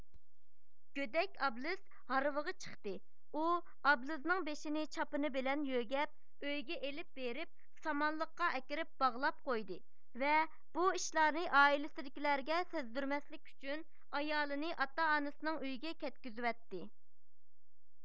گۆدەك ئابلىز ھارۋىغا چىقتى ئۇ ئابلىزنىڭ بېشىنى چاپىنى بىلەن يۆگەپ ئۆيگە ئېلىپ بېرىپ سامانلىققا ئەكىرىپ باغلاپ قويدى ۋە بۇ ئىشلارنى ئائىلىسىدىكىلەرگە سەزدۈرمەسلىك ئۈچۈن ئايالىنى ئاتا ئانىسىنىڭ ئۆيىگە كەتكۈزىۋەتتى